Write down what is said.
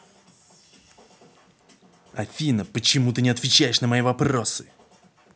афина почему ты не отвечаешь на мои вопросы